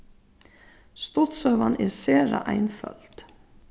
stuttsøgan er sera einføld